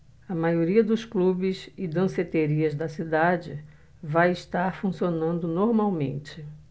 a maioria dos clubes e danceterias da cidade vai estar funcionando normalmente